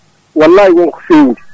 wallahi wonko fewi